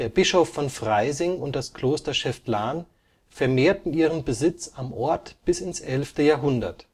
Bischof von Freising und das Kloster Schäftlarn vermehrten ihren Besitz am Ort bis ins 11. Jahrhundert